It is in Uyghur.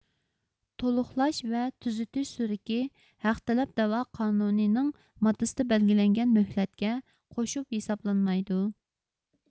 تۇلۇقلاش ۋە تۈزىتىش سۈرۈكى ھەق تەلەپ دەۋا قانۇنى نىڭ ماددىسىدا بەلگىلەنگەن مۆھلەتكە قوشۇپ ھېسابلانمايدۇ